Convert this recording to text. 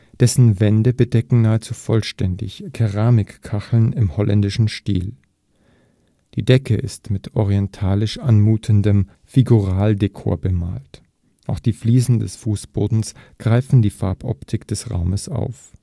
Dessen Wände bedeckten nahezu vollständig Keramikkacheln im holländischen Stil. Die Decke ist mit orientalisch anmutendem Figuraldekor bemalt. Auch die Fliesen des Fußbodens greifen die Farboptik des Raums auf